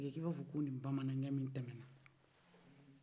fɔ ko e comme ni baman kɛ min tɛmɛna s